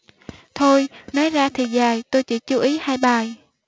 thôi nói ra thì dài tôi chỉ chú ý hai bài